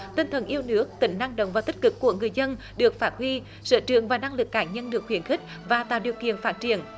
tinh thần yêu nước tỉnh năng động và tích cực của người dân được phát huy sở trường và năng lực cá nhân được khuyến khích và tạo điều kiện phát triển